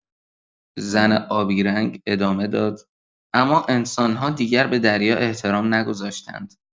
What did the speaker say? زن آبی‌رنگ ادامه داد: «اما انسان‌ها دیگر به دریا احترام نگذاشتند.»